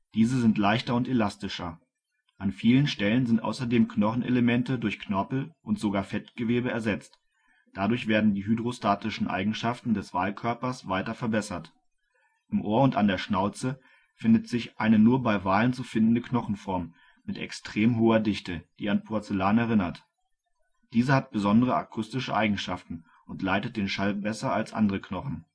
Diese sind leichter und elastischer. An vielen Stellen sind außerdem Knochenelemente durch Knorpel und sogar Fettgewebe ersetzt, dadurch werden die hydrostatischen Eigenschaften des Walkörpers weiter verbessert. Im Ohr und an der Schnauze findet sich eine nur bei Walen zu findende Knochenform mit extrem hoher Dichte, die an Porzellan erinnert. Diese hat besondere akustische Eigenschaften und leitet den Schall besser als andere Knochen